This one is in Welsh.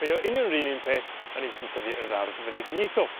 mae o union yr un un peth a'r un sy'n tyfu yn yr ardd feddyginiaethol.